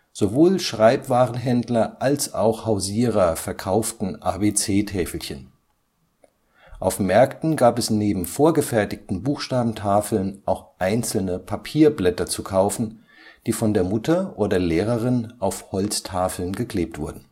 Sowohl Schreibwarenhändler als auch Hausierer verkauften ABC-Täfelchen. Auf Märkten gab es neben vorgefertigten Buchstabentafeln auch einzelne Papierblätter zu kaufen, die von der Mutter oder Lehrerin auf Holztafeln geklebt wurden